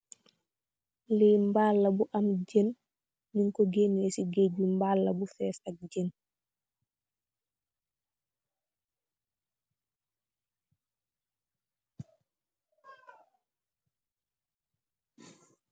Lii mbbal la bu amm jehnn, nung kor gehneh c gejjj bii, mbbal la bu fess ak jehnn.